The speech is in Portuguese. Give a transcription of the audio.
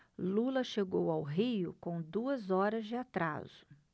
lula chegou ao rio com duas horas de atraso